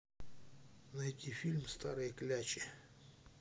найти фильм старые клячи